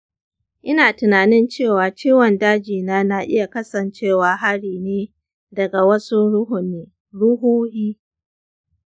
ina tunanin cewa ciwon dajina na iya kasancewa hari ne daga wasu ruhuhi.